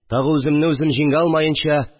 Тагы үземне үзем җиңә алмаенча